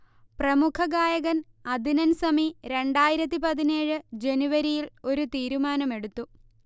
പ്രമുഖഗായകൻ അദ്നൻ സമി രണ്ടായിരത്തി പതിനേഴ് ജനുവരിയിൽ ഒരു തീരുമാനമെടുത്തു